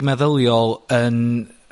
...meddyliol yn